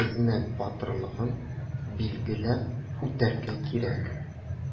хезмәт батырлыгын билгеләп үтәргә кирәк.